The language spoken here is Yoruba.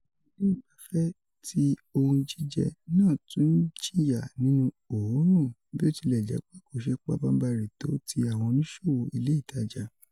Àwọn ilé ìgbafẹ́ ti ohun-jíjẹ náà tún jìyà nínú òórùn, bótilèjẹ́pé kò ṣe pabanbarì tó ti àwọn oníṣòwò ilé itájà.